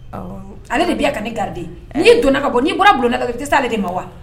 Ale de bɛ yan ka ni garidi ni donna ka bɔ n'i bɔra bulonla ka i tɛ sa ale de ma wa